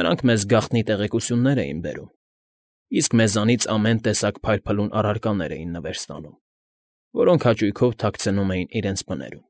նրանք մեզ գաղտնի տեղեկություններ էին բերում, իսկ մեզանից ամեն տեսակ փայլփլուն առարկաներ էին նվեր ստանում, որոնք հաճույքով թաքցնում էին իրենց բներում։